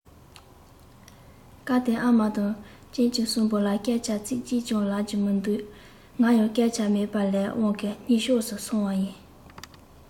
སྐབས དེར ཨ མ དང གཅེན གཅུང གསུམ པོ ལ སྐད ཆ ཚིག གཅིག ཀྱང ལབ རྒྱུ མི འདུག ང ཡང སྐད ཆ མེད པར ལས དབང གི རྙིའི ཕྱོགས སུ སོང བ ཡིན